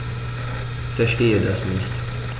Verstehe das nicht.